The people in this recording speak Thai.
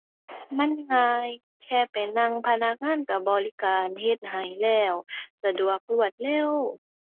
มันง่าย แค่ไปนั่งพนักงานก็บริการเฮ็ดให้แล้ว สะดวก รวดเร็ว